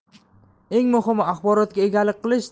eng muhimi axborotga egalik qilish